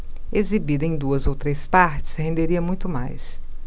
exibida em duas ou três partes renderia muito mais